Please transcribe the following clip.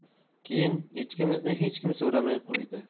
keyin echkimizni hech kim so'ramay qo'ydi